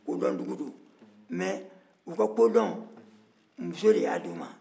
kodɔn dugu don mais u ka kodɔn muso de y'a di u ma